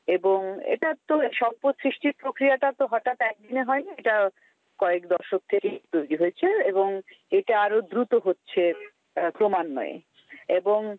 এবং এটাতো সম্পদ সৃষ্টির প্রক্রিয়া এটা তো হঠাৎ একদিনে হয়নি কয়েক দশক থেকেই তৈরি হয়েছে এবং এটা আরও দ্রুত হচ্ছে ক্রমান্বয়ে এবং